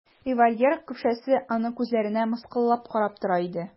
Револьвер көпшәсе аның күзләренә мыскыллап карап тора иде.